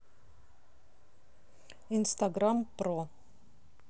инстаграм про